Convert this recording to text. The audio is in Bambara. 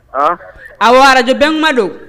A a arajɛ bɛ ma don